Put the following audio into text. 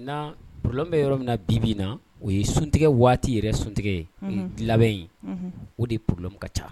Maintenant problème bɛ yɔrɔ min na bibi na o ye suntigɛ waati yɛrɛ suntigɛ ɛɛ labɛn ye. O de problème ka caa.